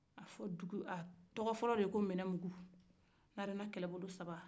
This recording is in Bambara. a tɔgɔ fɔlɔ de ko mɛnɛn muku narena